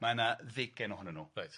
Mae 'na ddeugain ohonyn nw. Reit.